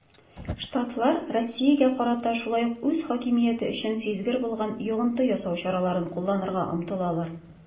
Штатлар Россиягә карата шулай ук үз хакимияте өчен сизгер булган йогынты ясау чараларын кулланырга омтылалар.